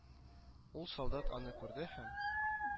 Ул, солдат аны күрде һәм